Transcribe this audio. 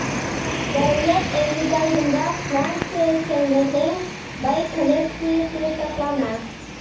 Дәүләт Эрмитажында Франция сәнгатенең бай коллекциясе саклана.